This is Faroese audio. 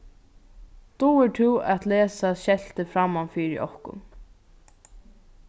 dugir tú at lesa skeltið framman fyri okkum